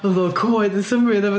Oedd y coed yn symud a bob...